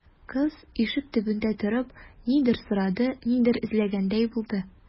Кыз, ишек төбендә торып, нидер сорады, нидер эзләгәндәй булды.